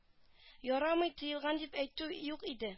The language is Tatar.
Ярамый тыелган дип әйтү юк иде